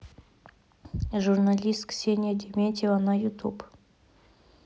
журналист ксения дементьева на ютуб